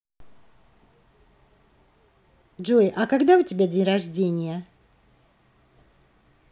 джой а когда у тебя день рождения